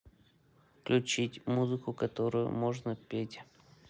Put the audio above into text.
включить музыку которую можно петь